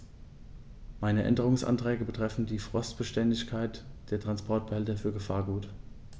Meine Änderungsanträge betreffen die Frostbeständigkeit der Transportbehälter für Gefahrgut.